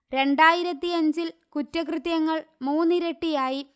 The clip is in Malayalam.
രണ്ടായിരത്തിയഞ്ചിൽ കുറ്റകൃത്യങ്ങൾ മൂന്നിരട്ടിയായി